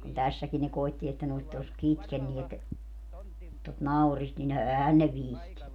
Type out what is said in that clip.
kun tässäkin ne koetti että ne nyt olisi kitkeneet tuota naurista niin eihän ne viitsinyt